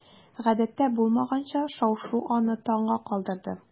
Гадәттә булмаганча шау-шу аны таңга калдырды.